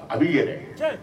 A' i yɛrɛ